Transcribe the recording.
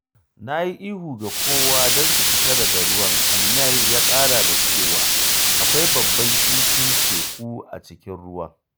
“Na yi ihu ga kowa don su fita daga ruwan. Hammel ya ƙara da cewa, ‘Akwai babban kifin teku a cikin ruwan!”